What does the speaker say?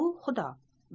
u xudo